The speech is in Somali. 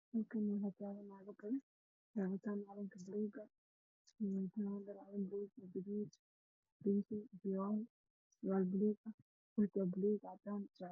Waa waddo waxaa taagan maamooyin waxay wataan ah dhar uu ku sawiran yahay caalam